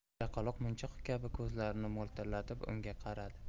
chaqaloq munchoq kabi ko'zlarini mo'ltillatib unga qaradi